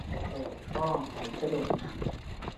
ปวดข้อเหมือนกระดูกหัก